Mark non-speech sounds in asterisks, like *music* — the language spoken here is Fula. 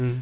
*hesitation* *hesitation*